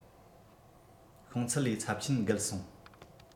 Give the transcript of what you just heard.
ཤོང ཚད ལས ཚབས ཆེན བརྒལ སོང